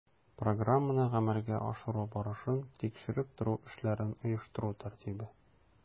Программаны гамәлгә ашыру барышын тикшереп тору эшләрен оештыру тәртибе